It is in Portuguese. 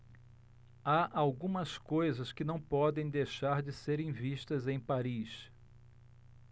há algumas coisas que não podem deixar de serem vistas em paris